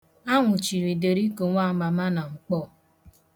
A nwụchiri Derico Nwamama na Nkpọọ.